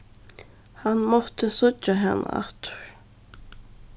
hann mátti síggja hana aftur